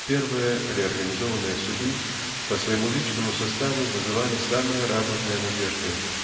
Первые реорганизованные суды по своему личному составу вызывали самые радужные надежды.